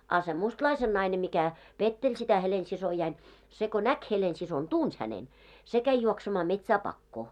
a se mustalaisen nainen mikä petteli sitä Helena-siskoani se kun näki Helena-siskon tunsi hänen se kävi juoksemaan metsään pakoon